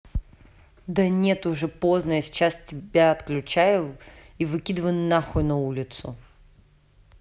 да нет уже поздно я сейчас тебя отключаю и выкидываю нахуй на улицу